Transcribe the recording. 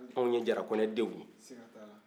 anw ye jara-kɔnɛ denw ye sigatala